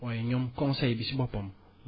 mooy ñoom conseil bi si boppam